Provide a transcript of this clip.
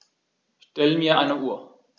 Stell mir eine Uhr.